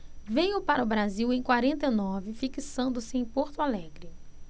veio para o brasil em quarenta e nove fixando-se em porto alegre